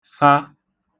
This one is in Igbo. sa